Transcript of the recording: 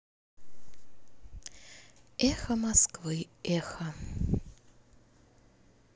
эхо москвы эхо